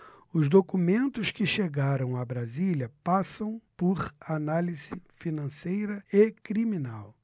os documentos que chegaram a brasília passam por análise financeira e criminal